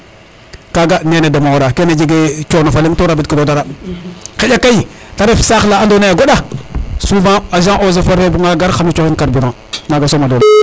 kaga nene deme ora kene jege cono fa leŋ to rabid kiro dara xaƴa kay te ref saax la ando naye a goɗa souvent agent eaux et foret fe buga nga gar xano coxin carburant maga soma do